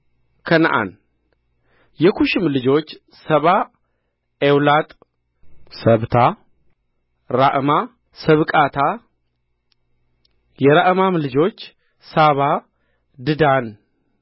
ከነዓን የኩሽም ልጆች ሳባ ኤውላጥ ሰብታ ራዕማ ሰብቃታ የራዕማም ልጆች ሳባ ድዳን